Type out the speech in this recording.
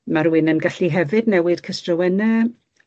Ma' rywun yn gallu hefyd newid cystrawenne.